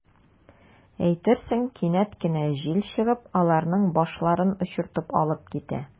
Әйтерсең, кинәт кенә җил чыгып, аларның “башларын” очыртып алып китә.